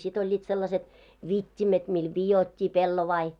sitten olivat sellaiset vitimet millä vidottiin pellavia